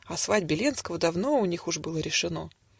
О свадьбе Ленского давно У них уж было решено.